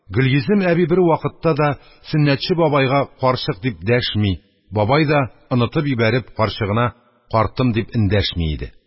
Гөлйөзем әби бервакытта да Сөннәтче бабайга «карчык» дип дәшми, бабай да, онытып йибәреп, карчыгына «картым» дип эндәшми иде.